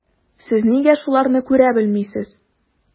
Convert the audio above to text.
Сез нигә шуларны күрә белмисез?